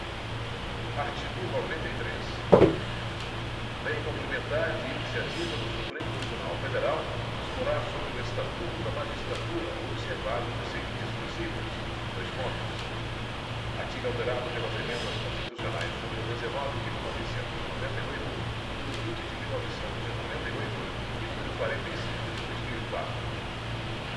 artigo noventa e três lei complementar de iniciativa do supremo tribunal federal disporá sobre o estatuto da magistratura observados os seguintes princípios dois pontos artigo alterado pelas emendas constitucionais número dezenove de mil novecentos e noventa e oito número vinte de mil novecentos e noventa e oito e número quarenta e cinco de dois mil e quatro